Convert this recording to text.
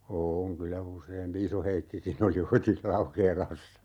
on kyllä useampikin Iso-Heikkikin oli oitis Laukeelassa